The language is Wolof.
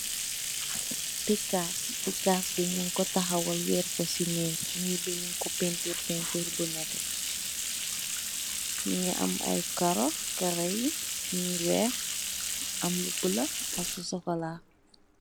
Le picas la bun tahawal werr ko si merr. marai bi nyu ko penterr bu nette mugi am ai karo, karo yu weyh ak yu bolo.